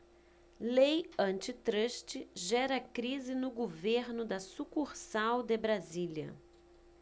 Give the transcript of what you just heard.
lei antitruste gera crise no governo da sucursal de brasília